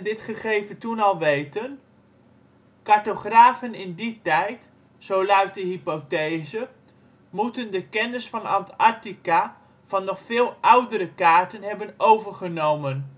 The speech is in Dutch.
dit gegeven toen al weten? Cartografen in die tijd, zo luidt de hypothese, moeten de ' kennis ' van Antarctica van nog veel oudere kaarten hebben overgenomen.